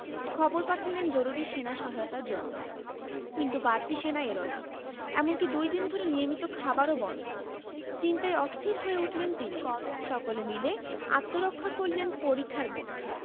খবর পাঠালেন জরুরি সেনা সহায়তার জন্য কিন্তু বাড়তি সেনা এলো না এমনকি দুই দিন ধরে নিয়মিত খাবারও বন্ধ চিন্তায় অস্থির হয়ে উঠলেন তিনি সকলে মিলে আত্মরক্ষা করলেন পরিখার মধ্যে